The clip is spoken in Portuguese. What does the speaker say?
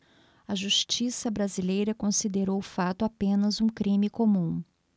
a justiça brasileira considerou o fato apenas um crime comum